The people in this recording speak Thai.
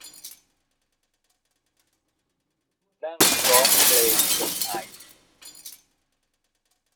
นั่งร้องเพลงจนไอ